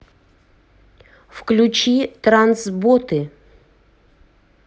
включи трансботы